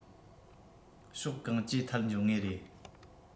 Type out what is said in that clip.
ཕྱོགས གང ཅིའི ཐད འབྱུང ངེས རེད